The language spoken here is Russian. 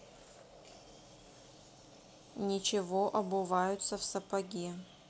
ничего обуваются в сапоги